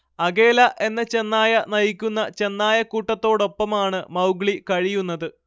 Akela എന്ന ചെന്നായ നയിക്കുന്ന ചെന്നായക്കൂട്ടത്തോടൊപ്പമാണ് മൗഗ്ലി കഴിയുന്നത്